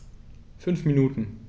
5 Minuten